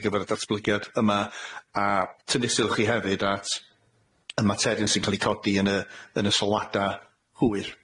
ar gyfer y datblygiad yma a tynnu sylw chi hefyd at y materion sy'n ca'l 'u codi yn y yn y sylwada' hwyr.